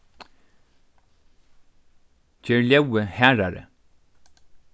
ger ljóðið harðari